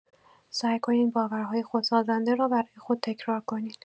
سعی کنید باورهای خودسازنده را برای خود تکرار کنید.